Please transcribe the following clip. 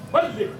Pase